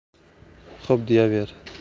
xo'p deyaver